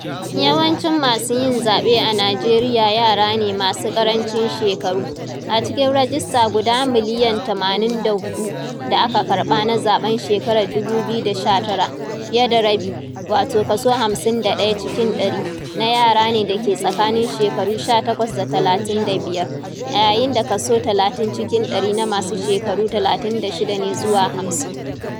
Yawancin masu yin zaɓe a Nijeriya yara ne masu ƙarancin shekaru. A cikin rajista guda miliyan 84 da aka karɓa na zaɓen shekarar 2019, fiye da rabi - wato kaso 51 cikin ɗari - na yara ne da ke tsakanin shekaru 18 da 35, a yayin da kaso 30 cikin ɗari na masu shekaru 36 ne zuwa 50.